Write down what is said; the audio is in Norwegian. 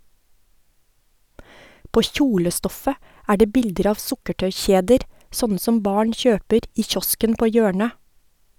På kjolestoffet er det bilder av sukkertøykjeder, sånne som barn kjøper i kiosken på hjørnet.